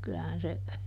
kyllähän se